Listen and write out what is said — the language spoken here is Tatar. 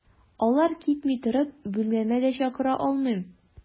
Алар китми торып, бүлмәмә дә чакыра алмыйм.